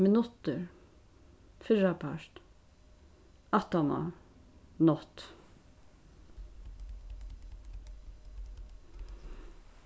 minuttur fyrrapart aftaná nátt